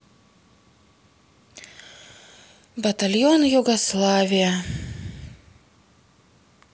батальон югославия